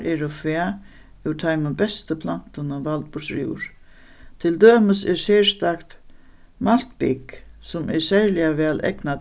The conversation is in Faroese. eru fæ úr teimum bestu plantunum vald burturúr til dømis er serstakt maltbygg sum er serliga væl egnað